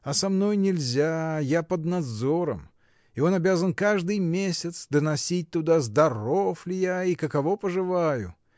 А со мной нельзя: я под надзором, и он обязан каждый месяц доносить туда, здоров ли я и каково поживаю.